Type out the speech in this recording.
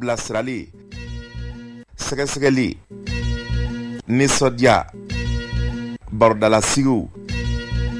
Bilasirali sɛgɛsɛgɛli nisɔndiya barodalasigi